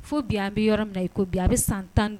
Fo bi an bɛ yɔrɔ min i ko bi a bɛ san tan